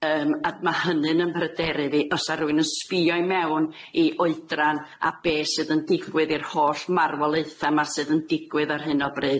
Yym, ac ma' hynny'n yn 'yn mhryderu fi. O's 'a rwun yn sbïo i mewn i oedran, a be' sydd yn digwydd i'r holl marwolaetha 'ma sydd yn digwydd ar hyn o bryd.